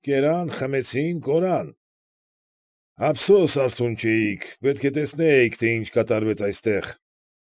Կերան, խմեցին, կորան։ Ափսոս արթուն չէիք. պետք է տեսնեիք, թե ինչ կատարվեց այստեղ։